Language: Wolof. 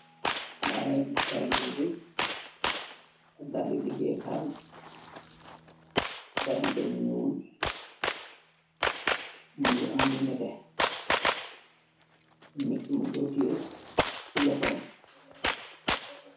Mageh giss daala yu reey, daali leguaye yeh kai la, daala yi den nuul mogi aam lu neteh nitt mung ko tiyeh si lohom.